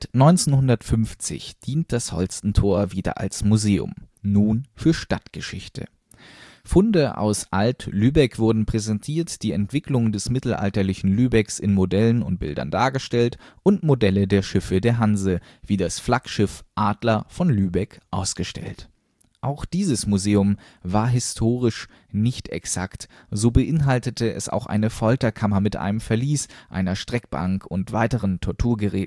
1950 dient das Holstentor wieder als Museum, nun für Stadtgeschichte. Funde aus Alt-Lübeck wurden präsentiert, die Entwicklung des mittelalterlichen Lübecks in Modellen und Bildern dargestellt und Modelle der Schiffe der Hanse wie das Flaggschiff Adler von Lübeck ausgestellt. Auch dieses Museum war historisch nicht exakt. So beinhaltete es auch eine Folterkammer mit einem Verlies, einer Streckbank und weiteren Torturgeräten